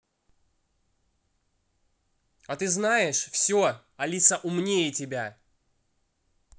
а ты знаешь все алиса умнее тебя